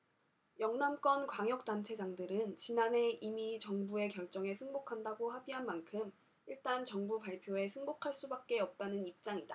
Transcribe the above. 영남권 광역단체장들은 지난해 이미 정부의 결정에 승복한다고 합의한 만큼 일단 정부 발표에 승복할 수밖에 없다는 입장이다